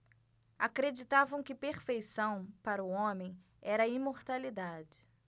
acreditavam que perfeição para o homem era a imortalidade